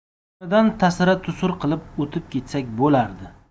yonidan tasira tusur qilib o'tib ketsak bo'ladi